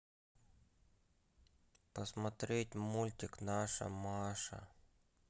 посмотреть мультик наша маша